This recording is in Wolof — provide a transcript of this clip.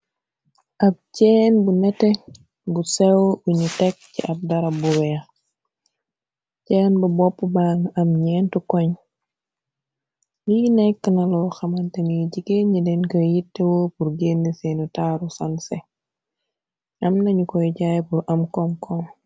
Ab ceen bu nete gu sew buñu tekk ci ab darab bu weex, ceen bu boppa gaan am ñenti koñ, lii nekk naloo xamante niyi jigeen ñedeen koy yittewo pur génn seenu taaru sanse, am nañu koy jaay pur am kom kom.